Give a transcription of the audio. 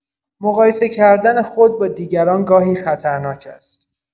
مقایسه کردن خود با دیگران گاهی خطرناک است.